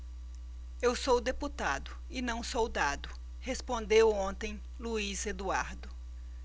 eu sou deputado e não soldado respondeu ontem luís eduardo